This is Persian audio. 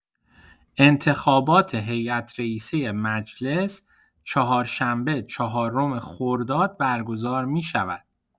انتخابات هیات‌رئیسه مجلس، چهارشنبه چهارم خرداد برگزار می‌شود.